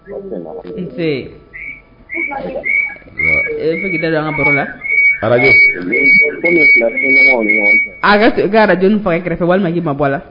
nsee nbaa ee i be fɛ k'i da don an ka baro la radio ko min filɛ sunnamaa ni ɲɔgɔn cɛ radio nin faga i kɛrɛfɛ walimai k'i mabɔ a la